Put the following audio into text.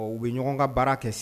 Ɔ u be ɲɔgɔn ka baara kɛ s